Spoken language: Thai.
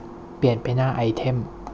เปลี่ยนไปหน้าไอเทม